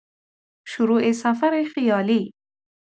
شروع سفر خیالی